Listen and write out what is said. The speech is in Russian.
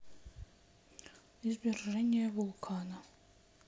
извержение вулкана